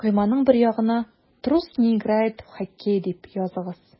Койманың бер ягына «Трус не играет в хоккей» дип языгыз.